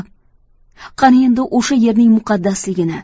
qani endi o'sha yerning muqaddasligini